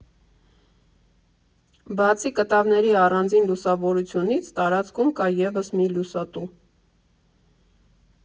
Բացի կտավների առանձին լուսավորությունից՝ տարածքում կա ևս մի լուսատու։